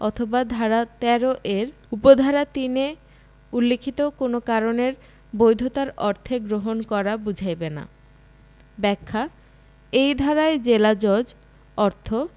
অথবা ধারা ১৩ এর উপ ধারা ৩ এ উল্লেখিত কোন কারণের বৈধতার অর্থে গ্রহণ করা বুঝাইবে না ব্যাখ্যা এই ধারায় জেলাজজ অর্থ